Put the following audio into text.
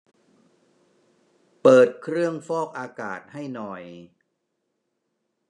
เปิดเครื่องฟอกอากาศให้หน่อย